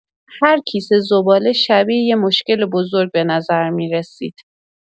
هرکیسه زباله شبیه یه مشکل بزرگ به نظر می‌رسید.